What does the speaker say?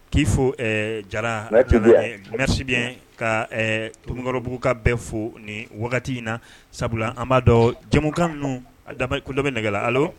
K'i fo jara nasibiyɛn ka tkɔrɔbugu ka bɛ fo ni wagati in na sabula an a b'a dɔn jamumukan minnu ku dɔ bɛ nɛgɛla ala